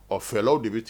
Ɔ fɛlaw de bɛ ten